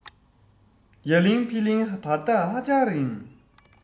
ཡ གླིང ཧྥེ གླིང བར ཐག ཧ ཅང རིང